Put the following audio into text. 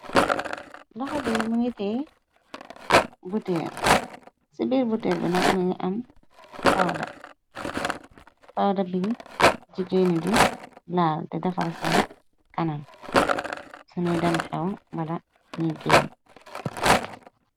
loxa bi mu ngi tee bue ci biir buteer bi na mingi am fawda bi jigeeni di laal te dafar seen kanal sanuy dem xew mbala ñiy genn